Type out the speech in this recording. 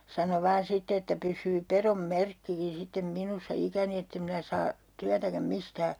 sano vain sitten että pysyy pedon merkkikin sitten minussa ikäni että en minä saa työtäkään mistään